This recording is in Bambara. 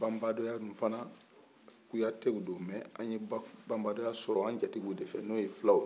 babandɔya in fana kuyate de don mais an ye banbadɔya sɔrɔ an jatigiw de fɛ n'o ye filaw ye